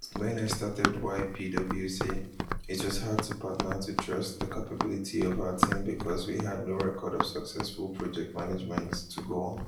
When I started YPWC, it was hard for partners to trust the capability of our team because we had no record of successful project management to go on.